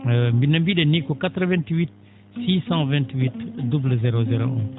min no mbii?en nii ko 88 628 00 01